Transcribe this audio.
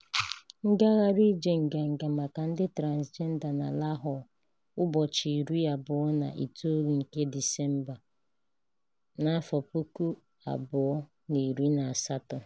Ngagharị Ije Nganga Maka Ndị Transịjenda na Lahore, ụbọchị 29 nke Disemba, 2018.